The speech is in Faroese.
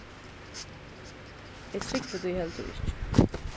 eg trúgvi tí heldur ikki